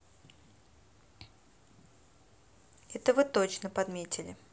это вы точно подметили